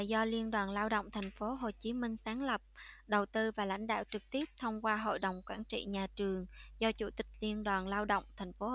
do liên đoàn lao động thành phố hồ chí minh sáng lập đầu tư và lãnh đạo trực tiếp thông qua hội đồng quản trị nhà trường do chủ tịch liên đoàn lao động thành phố